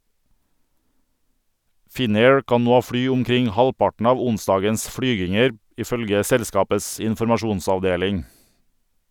Finnair kan nå fly omkring halvparten av onsdagens flyginger, ifølge selskapets informasjonsavdeling.